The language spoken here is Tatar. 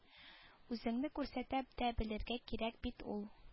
Үзеңне күрсәтә дә белергә кирәк бит ул